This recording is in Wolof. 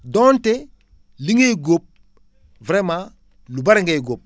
donte li ngay góob vraiment lu bëri ngay góob